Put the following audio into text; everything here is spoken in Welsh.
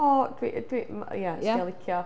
O, dwi, dwi, m- ia, os dio'n licio.